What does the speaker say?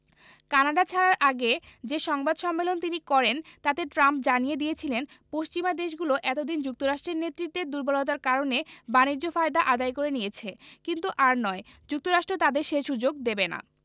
Canada ছাড়ার আগে যে সংবাদ সম্মেলন তিনি করেন তাতে ট্রাম্প জানিয়ে দিয়েছিলেন পশ্চিমা দেশগুলো এত দিন যুক্তরাষ্ট্রের নেতৃত্বের দুর্বলতার কারণে বাণিজ্য ফায়দা আদায় করে নিয়েছে কিন্তু আর নয় যুক্তরাষ্ট্র তাদের সে সুযোগ দেবে না